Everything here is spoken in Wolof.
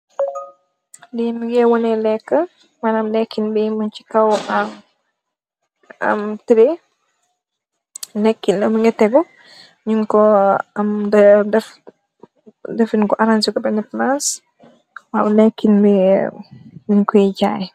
li mogeh wone lekka manam lekkin bi mung ci kaw am tree lekkin la mogi tego nung ko am a defin gu arangeko bena plance waw lekkin bi den koy jaay.